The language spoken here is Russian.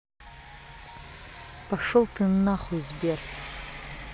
пошел ты нахуй сбер